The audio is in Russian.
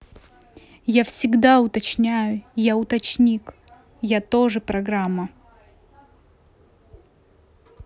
я всегда уточняю я уточник я тоже программа